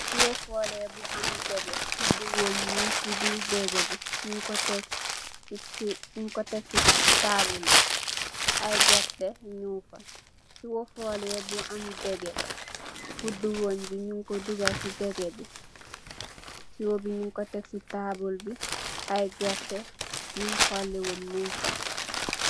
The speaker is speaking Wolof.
Dege nyun ko tek si table.